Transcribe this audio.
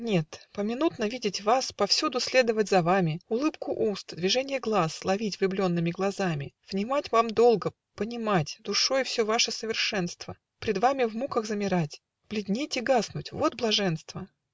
Нет, поминутно видеть вас, Повсюду следовать за вами, Улыбку уст, движенье глаз Ловить влюбленными глазами, Внимать вам долго, понимать Душой все ваше совершенство, Пред вами в муках замирать, Бледнеть и гаснуть. вот блаженство!